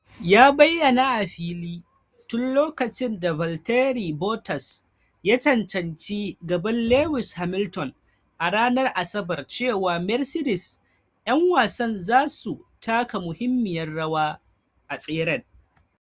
Ya bayyana a fili tun lokacin da Valtteri Bottas ya cancanci gaban Lewis Hamilton a ranar Asabar cewar Mercedes '' 'yan wasan zasu taka muhimmiyar rawa a tseren.